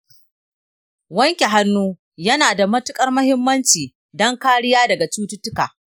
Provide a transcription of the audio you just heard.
wanke hannu yana da matuƙar muhimmanci don kariya daga cututtuka.